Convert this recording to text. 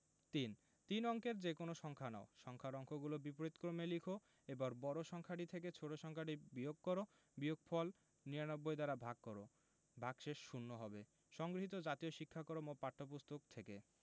৩ তিন অঙ্কের যেকোনো সংখ্যা নাও সংখ্যার অঙ্কগুলোকে বিপরীতক্রমে লিখ এবার বড় সংখ্যাটি থেকে ছোট সংখ্যাটি বিয়োগ কর বিয়োগফল ৯৯ দ্বারা ভাগ কর ভাগশেষ শূন্য হবে সংগৃহীত জাতীয় শিক্ষাক্রম ও পাঠ্যপুস্তক থেকে